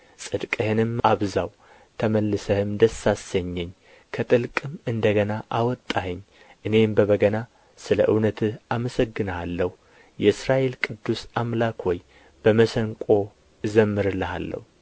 ጽድቅህንም አብዛው ተመልሰህም ደስ አሰኘኝ ከጥልቅም እንደ ገና አወጣኸኝ እኔም በበገና ስለ እውነትህ አመሰግንሃለሁ የእስራኤል ቅዱስ አምላክ ሆይ በመሰንቆ እዘምርልሃለሁ